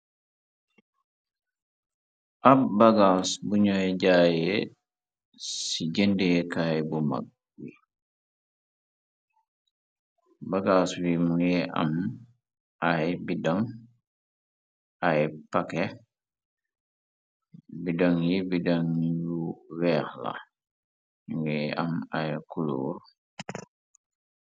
Ab bagaas buñooy jaaye ci jëndeekaay bu mag bi bagaas wi mungi am ay bidon ay paket biddoŋg yi biddan iñu weex la nga am ay culoor.